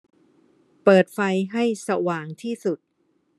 เปิดไฟให้สว่างที่สุด